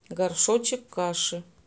горшочек каши